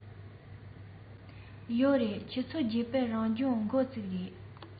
ཡོད རེད ཆུ ཚོད བརྒྱད པར རང སྦྱོང འགོ ཚུགས ཀྱི རེད